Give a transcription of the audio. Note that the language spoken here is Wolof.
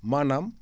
maanaam